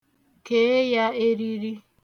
Kee ya eriri.